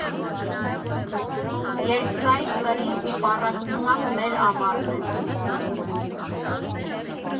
Երկսայր սրի ու պառակտման մեր ամառն էր։